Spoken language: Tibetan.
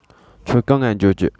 ཁྱོད གང ང འགྱོ རྒྱུ